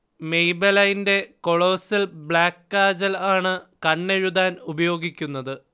മെയ്ബെലൈന്റെ colossal black kajal ആണ് കണ്ണെഴുതാൻ ഉപയോഗിക്കുന്നത്